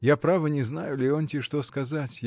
— Я, право, не знаю, Леонтий, что сказать.